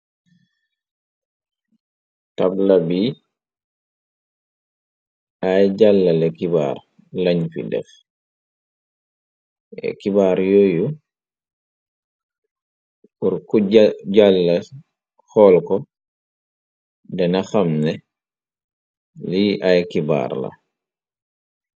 Tabla bii, ay jàngale xibaar lañ fi def. Xibaar yooyu, pur ku jàlla, xool ko dina xam ne li ay kibaar la.